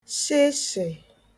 shịshị̀